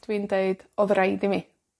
dwi'n deud odd raid i mi.